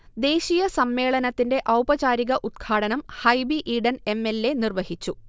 ദേശീയ സമ്മേളനത്തിന്റെ ഔപചാരിക ഉത്ഘാടനം Hibi Eden M. L. A. നിർവഹിച്ചു